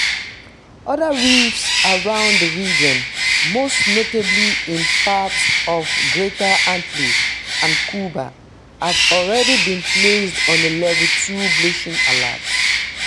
Other reefs around the region, most notably in parts of the Greater Antilles and Cuba, have already been placed on a Level Two Bleaching Alert: